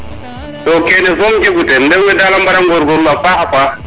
to kene som jegu ten rewe dal a mbara ngoorgorlu a paax